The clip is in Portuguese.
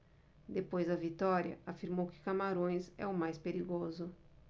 depois da vitória afirmou que camarões é o mais perigoso